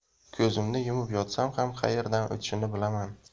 ko'zimni yumib yotsam ham qayerdan o'tishini bilaman